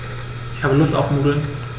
Ich habe Lust auf Nudeln.